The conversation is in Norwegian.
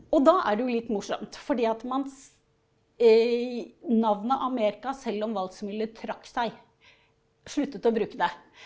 og da er det jo litt morsomt, fordi at man navnet Amerika, selv om Waldseemüller trakk seg, sluttet å bruke det.